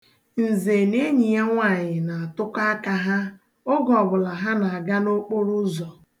Nze na enyi ya nwaanyị na-atụkọ aka ha oge ọbụla ha na-aga n'okporoụzọ.